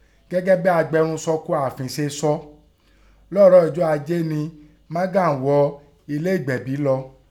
Gẹ́gẹ́ bí agbẹrunsọ ún ààfin e sọ, lọ́ọ̀ọ́rọ̀ ijọ ajé nẹ Merghan wọ elé ègbẹ̀bí lọ.